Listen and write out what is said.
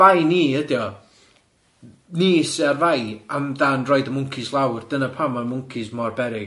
Bai ni ydi o, ni sy ar fai amdan roid y mwncis lawr, dyna pam mae mwncis mor beryg.